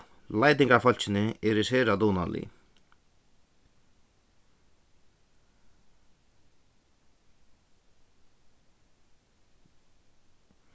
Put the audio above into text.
leitingarfólkini eru sera dugnalig